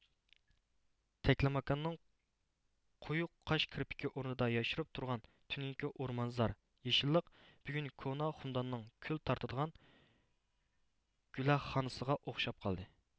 تەكلىماكاننىڭ قويۇق قاش كىرپىكى ئورنىدا ياشىرىپ تۇرغان تۈنۈگۈنكى ئورمانزار يېشىللىق بۈگۈن كونا خۇمداننىڭ كۈل تارتىدىغان گۈلەخخانىسىغا ئوخشاپ قالدى